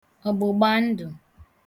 ọ̀gbụ̀gbàndụ̀